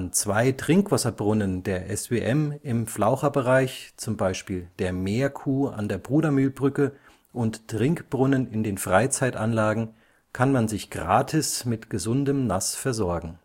zwei Trinkwasserbrunnen der SWM im Flaucherbereich („ Meerkuh “an der Brudermühlbrücke und Trinkbrunnen in den Freizeitanlagen) kann man sich gratis mit gesundem Nass versorgen